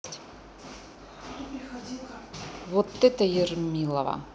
вот это ермилова